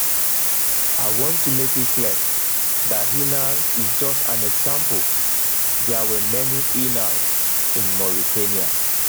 I want to make it clear that Inal is just an example; there were many ‘Inals’ in Mauritania.